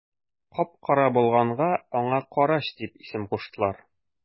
Кап-кара булганга аңа карач дип исем куштылар.